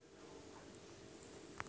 дикий ангел семьдесят первая серия